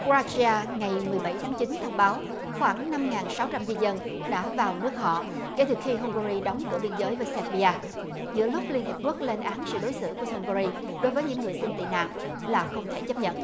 cờ roa tri a ngày mười bảy tháng chín thông báo khoảng năm ngàn sáu trăm di dân đã vào nước họ kể từ khi hung ga ry đóng cửa biên giới với sẹc bi a giữa lúc liên hiệp quốc lên án sự đối xử của sông ga ry đối với những người xin tị nạn là không thể chấp nhận